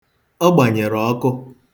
Onye gbanyere ọkụ.